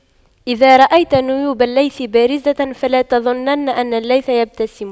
إذا رأيت نيوب الليث بارزة فلا تظنن أن الليث يبتسم